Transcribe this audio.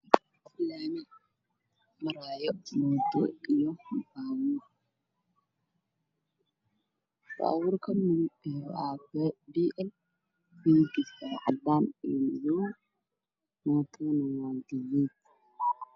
Waa laami ay maraayo mooto iyo baabuur. Baabuur B ah midabkiisu waa cadaan iyo madow. Mootadu waa gaduud.